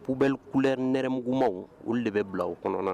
Pub kule nmmaw olu de bɛ bila u kɔnɔ